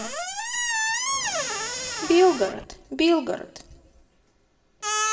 белгород белгород